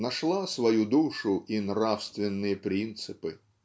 нашла свою душу и "нравственные принципы".